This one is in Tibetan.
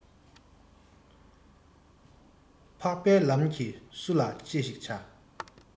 འཕགས པའི ལམ གྱིས སུ ལ ཅི ཞིག བྱ